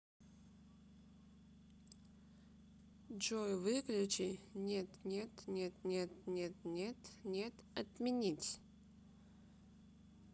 джой выключи нет нет нет нет нет нет нет отменить